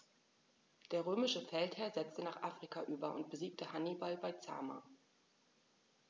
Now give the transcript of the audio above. Der römische Feldherr setzte nach Afrika über und besiegte Hannibal bei Zama.